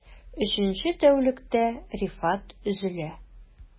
Өченче тәүлектә Рифат өзелә...